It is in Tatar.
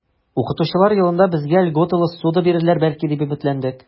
Укытучылар елында безгә льготалы ссуда бирерләр, бәлки, дип өметләндек.